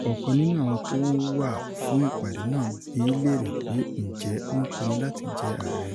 Ọ̀kan nínú àwọn tó ń wà fún ìpàdé náà bíi léèrè pé ǹjẹ́ ó ń pinnu láti jẹ ààrẹ?